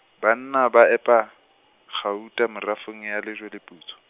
banna ba epa, kgauta merafong ya Lejweleputswa.